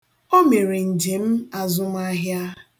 O mere njem azụmahịa.